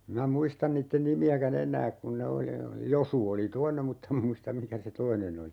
minä muista niiden nimiäkään enää kun ne oli oli Josu oli toinen mutta en minä muista mikä se toinen oli